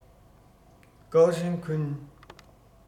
ཀུའོ ཧྲེང ཁུན